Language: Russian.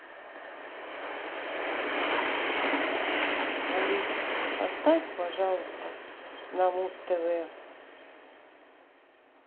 алиса пожалуйста поставь ну муз тв